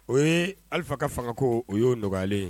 O ye alifa ka fangako o yeo nɔgɔyalen ye